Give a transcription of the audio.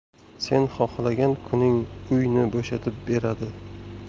sen xohlagan kuning uyni bo'shatib beradi